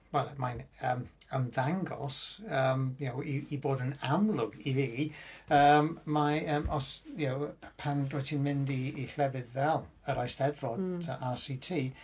Wel mae'n yym ymddangos yym y'know i bod yn amlwg i fi... yym mae... yym os... y'know pan rwyt ti'n mynd i i llefydd fel yr Eisteddfod RCT.